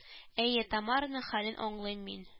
Әйе тамараның хәлен аңлыйм мин